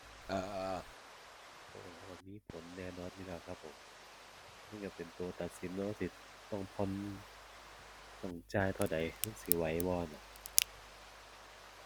โอ้ มีผลแน่นอนอยู่แล้วครับผม มันก็เป็นก็ตัดสินเนาะ ว่าก็สิต้องผ่อน ต้องจ่ายเท่าใด มันสิไหวบ่นั้นน่ะ